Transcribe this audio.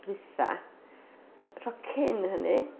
Y tro diwethaf, y tro cyn hynny.